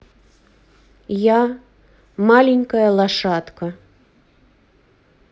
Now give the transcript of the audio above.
я маленькая лошадка